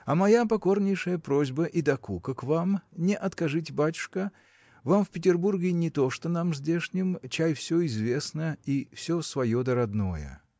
А моя покорнейшая просьба и докука к вам – не откажите батюшка вам в Петербурге не то что нам здешним чай все известно и все свое да родное.